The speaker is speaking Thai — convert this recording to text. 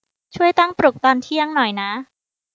ช่วยตั้งปลุกตอนเที่ยงหน่อยนะ